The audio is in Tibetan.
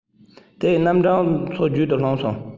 དེའི རྣམ གྲངས མཚོ རྒྱུད དུ ལྷུང སོང